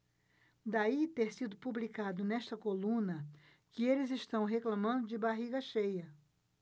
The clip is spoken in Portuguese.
daí ter sido publicado nesta coluna que eles reclamando de barriga cheia